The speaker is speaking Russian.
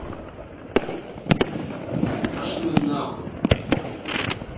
пошли вы нахуй